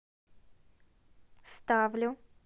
ставлю